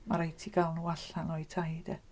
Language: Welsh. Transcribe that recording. Mae'n rhaid i ti gael nhw allan o'u tai de.